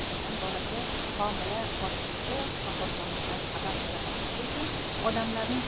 odam bolasi homila bosqichidayoq oxir zamondan xabar bera boshlashi uchun odamlarning